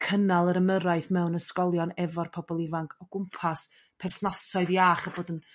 cynnal yr ymyrraeth mewn ysgolion efo'r pobol ifanc o gwmpas perthnasoedd iach a bod yn